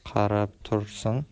seit qarab tursin